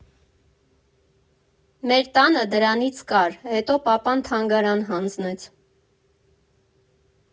Մեր տանը դրանից կար, հետո պապան թանգարան հանձնեց։